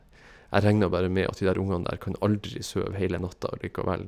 Jeg regner bare med at de der ungene der kan aldri søv heile natta allikevel.